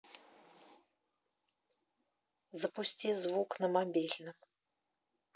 запусти звук на мобильном